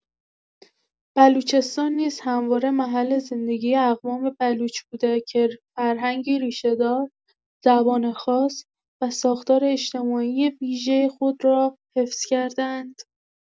بلوچستان نیز همواره محل زندگی اقوام بلوچ بوده که فرهنگی ریشه‌دار، زبان خاص و ساختار اجتماعی ویژه خود را حفظ کرده‌اند.